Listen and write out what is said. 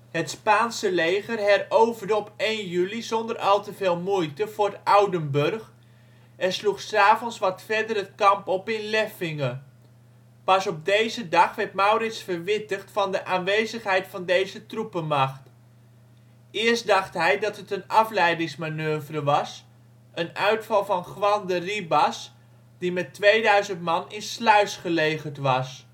Het Spaanse leger heroverde op 1 juli zonder al te veel moeite fort Oudenburg en sloeg ' s avonds wat verder het kamp op in Leffinge. Pas op deze dag werd Maurits verwittigd van de aanwezigheid van deze troepenmacht. Eerst dacht hij dat het een afleidingsmanoeuvre was, een uitval van Juan de Ribas die met 2000 man in Sluis gelegerd was